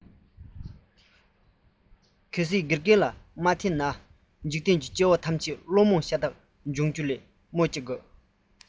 གནའ དེང གི མཁས དབང ཐམས ཅད ཀྱང ཁྱེད ལ མ བསྟེན པར ཁྱེད མེད ན འཇིག རྟེན འདི སྐྱེ བོ རྣམས བློ རྨོངས ཤ སྟག འབྱུང རྒྱུ ནི སྨོས མེད ལགས